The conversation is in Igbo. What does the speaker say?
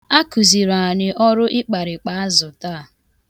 A kuziri anyị ọrụ ịkparịkpa azụ taa.